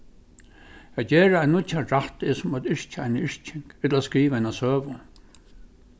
at gera ein nýggjan rætt er sum at yrkja eina yrking ella skriva eina søgu